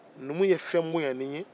numu ye fɛn bonyalen ye